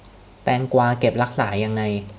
แตงกวาเก็บรักษายังไง